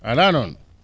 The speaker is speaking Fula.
alaa noon